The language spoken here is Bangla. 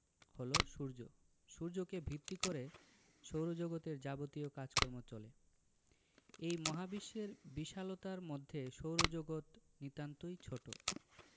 হলো সূর্য সূর্যকে ভিত্তি করে সৌরজগতের যাবতীয় কাজকর্ম চলে এই মহাবিশ্বের বিশালতার মধ্যে সৌরজগৎ নিতান্তই ছোট